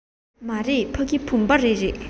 མ རེད ཕ གི བུམ པ རི རེད